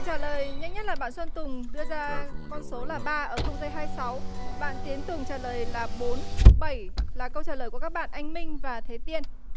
trả lời nhanh nhất là bạn sơn tùng đưa ra con số là ba ở không giây hai sáu bạn tiến tùng trả lời là bốn bảy là câu trả lời của các bạn anh minh và thế tiên